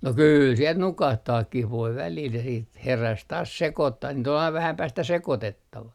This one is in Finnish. no kyllä siellä nukahtaakin voi välillä ja sitten heräsi taas sekoittamaan niitä oli aina vähän päästä sekoitettava